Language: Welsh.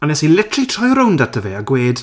A wnes i literally troi rownd ato fe a gweud...